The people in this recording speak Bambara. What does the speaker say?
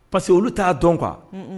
Parce que olu t'a dɔn kan